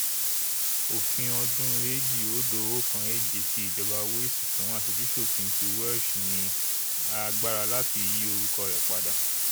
Òfin ọdún 2017 ti Ìjọba Wales fún Aṣojú-ṣòfin ti Welsh ni agbára láti yi orúkọ rẹ padà.